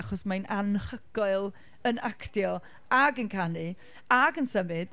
achos mae'n anhygoel yn actio, ac yn canu, ac yn symud...